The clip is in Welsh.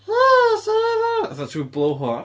Hello sailor fatha trwy'i blowhole.